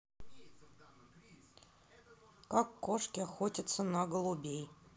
как кошки охотятся на голубей